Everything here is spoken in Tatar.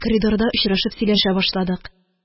Коридорда очрашып сөйләшә башладык.